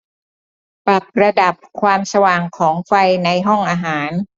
ปรับระดับความสว่างของไฟในห้องอาหาร